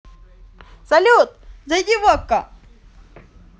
салют зайди в okko